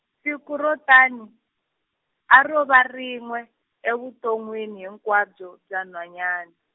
siku ro tani, a ro va rin'we, evuton'wini hinkwabyo bya nhwanyana.